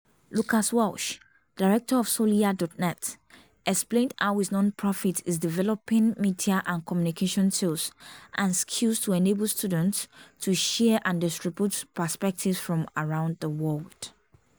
- Lucas Welsh, Director of Soliya.net, explained how his non-profit is developing media and communication tools and skills to enable students to share and distribute perspectives from around the world.